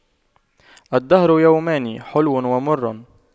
الدهر يومان حلو ومر